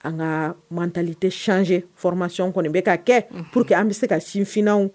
An ka mantali tɛccɛ foromasi kɔni bɛ ka kɛ pour que an bɛ se ka sinfinw